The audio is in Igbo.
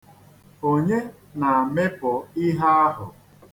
Onye na-amịpụ ihe ahụ?